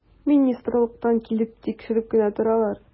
Министрлыктан килеп тикшереп кенә торалар.